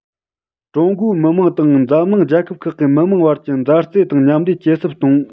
ཀྲུང གོའི མི དམངས དང འཛམ གླིང རྒྱལ ཁབ ཁག གི མི དམངས བར གྱི མཛའ བརྩེ དང མཉམ ལས ཇེ ཟབ གཏོང